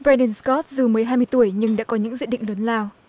ve rin sờ cót dù mới hai tuổi nhưng đã có những dự định lớn lao